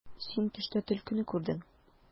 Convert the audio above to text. Син төштә төлкене күрдең.